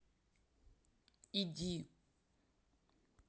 иди